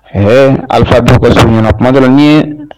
Ɛɛ alifa dɔw kourun ɲɛna kumajɔ n ye